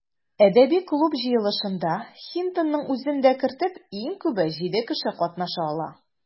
Әдәби клуб җыелышында, Хинтонның үзен дә кертеп, иң күбе җиде кеше катнаша ала.